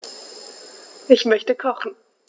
Ich möchte kochen.